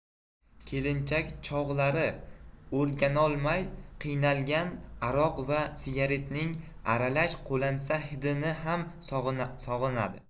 kelinlik chog'lari o'rganolmay qiynalgan aroq va sigaretning aralash qo'lansa hidini ham sog'inadi